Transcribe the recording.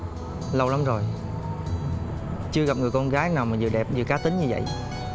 lâu lắm rồi chưa gặp người con gái nào mà vừa đẹp vừa cá tính như vậy